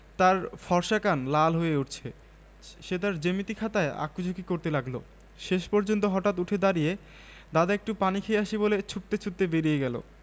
গত আগস্ট মাসে বাইশ হয়েছে তাকে সরাসরি এমন একটি কদৰ্য কথা কেউ বলতে পারে ভাবিনি আমি বললাম কে বলেছে আজ সকালে বলেছে কে সে ঐ যে লম্বা ফর্সা